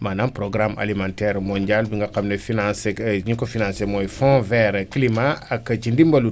maanaam programme alimentaire mondial bi nga xam ne financé ay ñi ko financé mooy fond vers climat ak ci ndimbalu